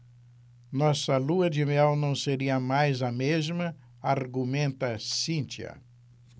nossa lua-de-mel não seria mais a mesma argumenta cíntia